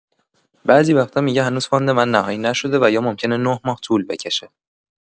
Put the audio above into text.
بعضی وقتا می‌گه هنوز فاند من نهایی نشده و یا ممکنه ۹ ماه طول بکشه.